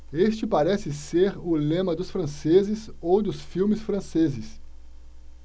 este parece ser o lema dos franceses ou dos filmes franceses